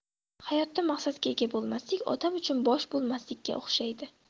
hayotda maqsadga ega bo'lmaslik odam uchun bosh bo'lmaslikka o'xshaydi